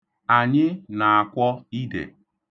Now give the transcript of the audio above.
Anyị na-akwọ ide.